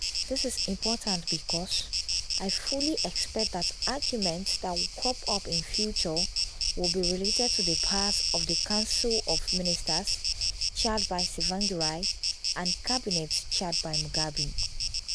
This is important because I fully expect that arguments that will crop up in future will be related to the powers of the Council of Ministers, chaired by Tsvangirai, and Cabinet, chaired by Mugabe.